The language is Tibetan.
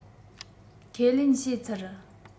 ཁས ལེན བྱས ཚར